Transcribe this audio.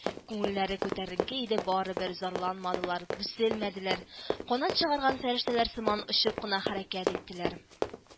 Күңелләре күтәренке иде барыбер, зарланмадылар, бүселмәделәр, канат чыгарган фәрештәләр сыман очып кына хәрәкәт иттеләр